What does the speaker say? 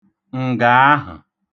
ǹgà ahə̣̀